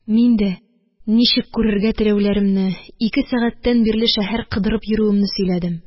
Мин дә ничек күрергә теләүләремне, ике сәгатьтән бирле шәһәр кыдырып йөрүемне сөйләдем.